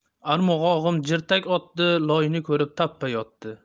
arg'umog'im jirtak otdi loyni ko'rib tappa yotdi